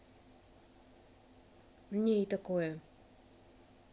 не и такое